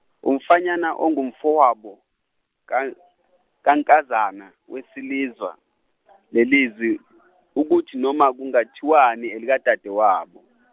umfanyana ongumfowabo kaN- kaNkazana waselizwa, lelizwi ukuthi noma kungathiwani elikadadewabo.